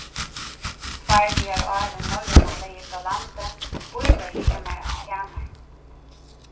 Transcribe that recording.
tveir dagar áðrenn norrøna legði frá landi bílegði eg mær eitt kamar